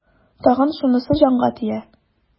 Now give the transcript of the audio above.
Тагын шунысы җанга тия.